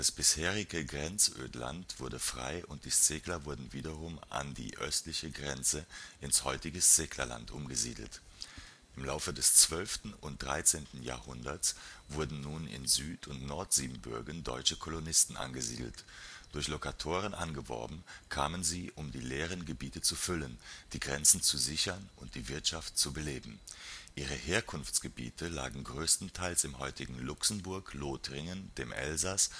bisherige Grenzödland wurde frei und die Szekler wurden wiederum an die östliche Grenze (ins heutige Szeklerland) umgesiedelt. Im Laufe des 12. und 13. Jahrhunderts wurden nun in Süd - und Nordsiebenbürgen deutsche Kolonisten angesiedelt. Durch Lokatoren angeworben, kamen sie, um die leeren Gebiete zu füllen, die Grenzen zu sichern und die Wirtschaft zu beleben. Ihre Herkunftsgebiete lagen größtenteils im heutigen Luxemburg, Lothringen, dem Elsass